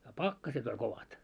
ja pakkaset oli kovat